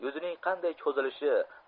yuzining qanday cho'zilishi